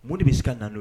Mun de bɛ se na ye